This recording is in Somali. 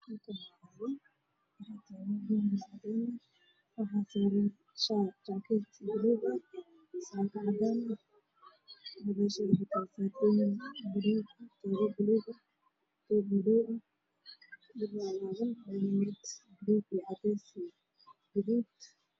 Waa carwo waxaa ii muuqday saaka dumar oo ku jirto boom baro cadaan ah ayaa ka dambeeyo